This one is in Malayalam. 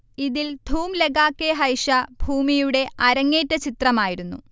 ഇതിൽ ധൂം ലഗ കെ ഹൈഷ ഭൂമിയുടെ അരങ്ങേറ്റ ചിത്രമായിരുന്നു